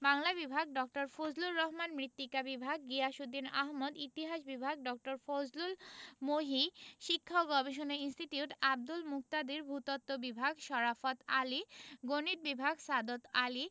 বাংলা বিভাগ ড. ফজলুর রহমান মৃত্তিকা বিভাগ গিয়াসউদ্দিন আহমদ ইতিহাস বিভাগ ড. ফয়জুল মহি শিক্ষা ও গবেষণা ইনস্টিটিউট আব্দুল মুকতাদির ভূ তত্ত্ব বিভাগ শরাফৎ আলী গণিত বিভাগ সাদত আলী